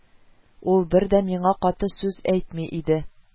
Ул бер дә миңа каты сүз әйтми иде